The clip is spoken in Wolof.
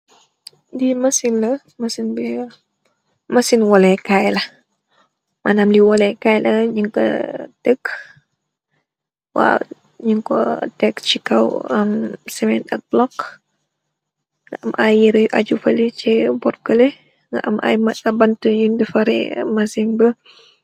Lii masin la, masin waale Kaay, la. Manaam lii walee KAAY, ñun ko tek ,waaw. Ñun koo tek, si kow simentë bulook, am ay yiree yu aju fële ci boor bëlé. Nga am bantë buñ defaree masin bi.